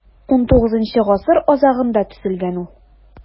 XIX гасыр азагында төзелгән ул.